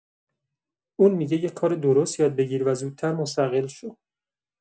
اون می‌گه یه کار درست یاد بگیر و زودتر مستقل شو.